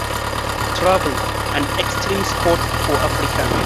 Travel: An extreme sport for Africans